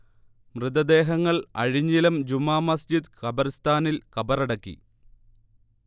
മൃതദേഹങ്ങൾ അഴിഞ്ഞിലം ജുമാ മസ്ജിദ് കബർസ്ഥാനിൽ കബറടക്കി